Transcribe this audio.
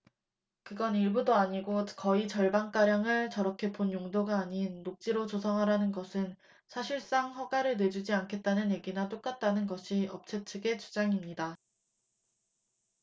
그걸 일부도 아니고 거의 절반가량을 저렇게 본 용도가 아닌 녹지로 조성하라는 것은 사실상 허가를 내주지 않겠다는 얘기나 똑같다는 것이 업체 측의 주장입니다